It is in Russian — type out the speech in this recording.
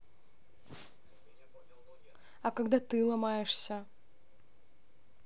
а когда ты ломаешься